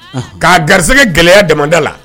Ka garigɛ gɛlɛya dama danda la